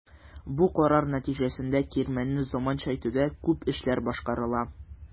Бу карар нәтиҗәсендә кирмәнне заманча итүдә күп эшләр башкарыла.